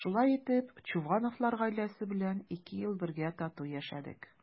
Шулай итеп Чувановлар гаиләсе белән ике ел бергә тату яшәдек.